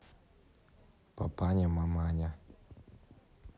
папаня маманя